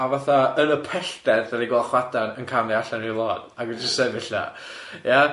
A fatha, yn y pellter, dan ni'n gweld chwadan yn camu allan i'r lôn ag yn jyst sefyll na ia?